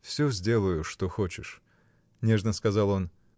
— Всё сделаю, что хочешь, — нежно сказал он.